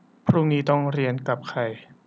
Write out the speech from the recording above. พรุ่งนี้ต้องเรียนกับใคร